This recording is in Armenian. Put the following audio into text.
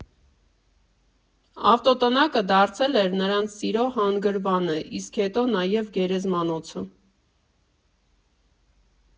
Ավտոտնակը դարձել էր նրանց սիրո հանգրվանը, իսկ հետո նաև գերեզմանոցը.